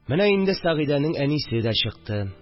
Менә инде Сәгыйдәнең әнисе дә чыкты